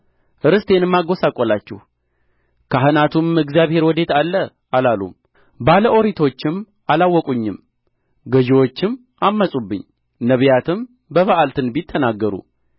ርስቴንም አጐሳቈላችሁ ካህናቱም እግዚአብሔር ወዴት አለ አላሉም ባለ ኦሪቶችም አላወቁኝም ገዢዎችም ዐመፁብኝ ነቢያትም በበኣል ትንቢት ተናገሩ